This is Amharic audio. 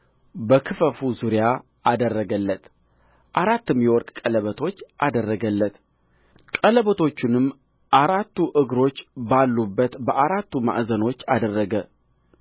በክፈፉ ዙሪያ አደረገለት አራትም የወርቅ ቀለበቶች አደረገለት ቀለበቶቹንም አራቱ እግሮቹ ባሉበት በአራቱ ማዕዘኖች አደረገ